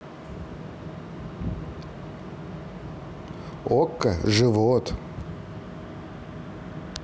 okko живот